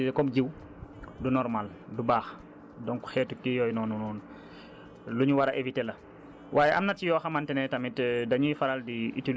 te loolu noonu bu xawee yàqu rekk même boo ko waree utiliser comme jiwu du normal du baax donc xeetu kii yooyu noonu noonu lu ñu war a éviter la